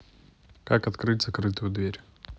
как открыть закрытую дверь